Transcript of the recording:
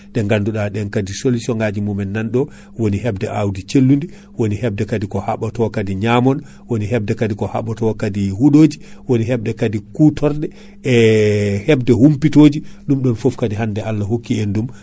ɗe ganduɗa ɗen kaadi solution ŋaji muɗum nanɗo woni hebde awdi celludi ,woni hebde kaadi ko haɓato kaadi ñamon woni hebde kaadi ko haɓato huɗoji woni hebde kaadi kutorɗe ee hebde humpitoji ɗum ɗon foof kaadi hande Allah hokki en ɗum